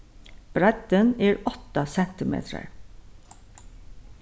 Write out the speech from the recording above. breiddin er átta sentimetrar